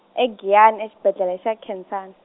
e Giyani e xibedlele xa Nkhensani.